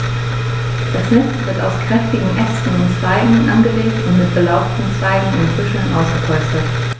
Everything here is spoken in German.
Das Nest wird aus kräftigen Ästen und Zweigen angelegt und mit belaubten Zweigen und Büscheln ausgepolstert.